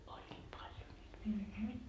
olivat paljon niitä virsiä